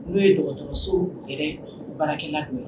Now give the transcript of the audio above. N'o ye dɔgɔtɔrɔ so yɛrɛ barakɛla don ye